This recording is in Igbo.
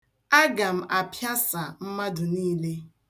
Aga m apịasa mmadụ niile.